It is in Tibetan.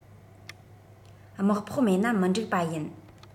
དམག ཕོགས མེད ན མི འགྲིག པ ཡིན